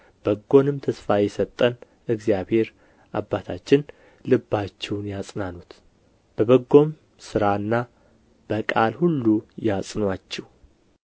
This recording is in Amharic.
በጎንም ተስፋ የሰጠን እግዚአብሔር አባታችን ልባችሁን ያጽናኑት በበጎም ሥራና በቃል ሁሉ ያጽኑአችሁ